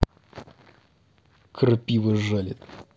крапива жалит